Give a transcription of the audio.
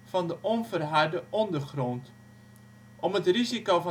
van de onverharde ondergrond. Om het risico